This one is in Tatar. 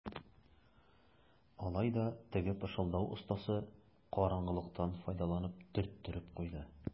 Алай да теге пышылдау остасы караңгылыктан файдаланып төрттереп куйды.